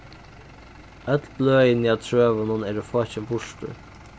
øll bløðini á trøunum eru fokin burtur